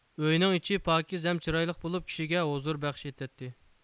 ئۆينىڭ ئىچى پاكىز ھەم چىرايلىق بولۇپ كىشىگە ھۇزۇر بەخش ئېتەتتى